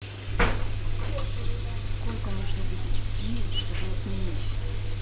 сколько нужно выпить пива чтобы отменить